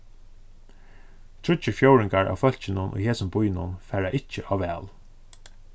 tríggir fjórðingar av fólkinum í hesum býnum fara ikki á val